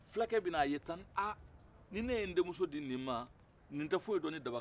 fulakɛn bɛn'a ye aa ni ne ye n denmuso di nin ma nin tɛ fosi dɔn ni dabakala tɛ